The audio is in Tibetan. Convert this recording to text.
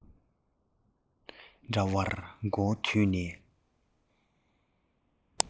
འདྲ བར མགོ བོ དུད ནས